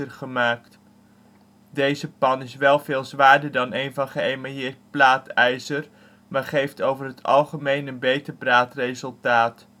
gemaakt. Deze pan is wel veel zwaarder dan van geëmailleerd plaatijzer, maar geeft over het algemeen een beter braadresultaat